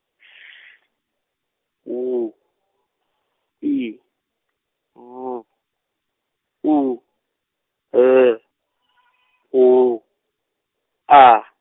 S W I V U L W A.